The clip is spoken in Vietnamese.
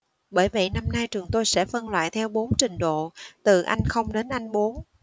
bởi vậy năm nay trường tôi sẽ phân loại theo bốn trình độ từ anh không đến anh bốn